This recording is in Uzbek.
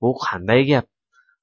bu qanday gap